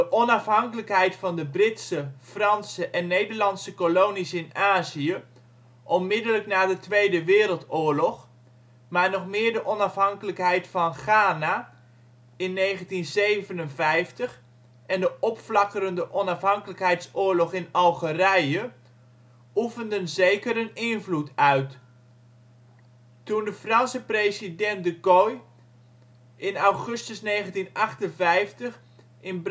onafhankelijkheid van de Britse, Franse en Nederlandse kolonies in Azië, onmiddellijk na de Tweede Wereldoorlog, maar meer nog de onafhankelijkheid van Ghana in 1957 en de opflakkerende onafhankelijkheidsoorlog in Algerije, oefenden zeker een invloed uit. Toen de Franse president De Gaulle in augustus 1958 in Brazzaville